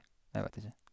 Jeg vet ikke.